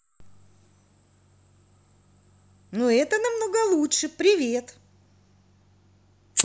ну это намного лучше привет